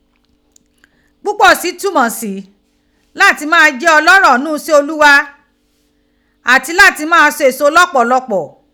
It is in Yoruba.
Piposi tumo si lati maa je oloro n nu ise olugha lati maa so eso lopolopo,